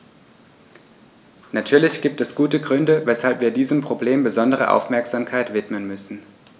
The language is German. Natürlich gibt es gute Gründe, weshalb wir diesem Problem besondere Aufmerksamkeit widmen müssen.